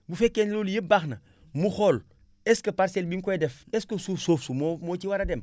bu fekkee ne loolu yëppbaax na mu xool est ce que parcelle bi mu koy def est ce que suuf soosu moo moo ci war a dem